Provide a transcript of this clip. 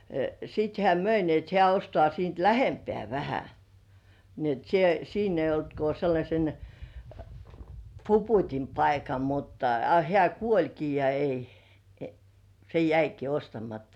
sitten hän myi niin että hän ostaa siitä lähempää vähän niin että - siinä ei ollut kuin sellaisen Puputin paikka mutta a hän kuolikin ja ei se jäikin ostamatta